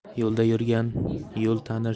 yo'lda yurgan yo'l tanir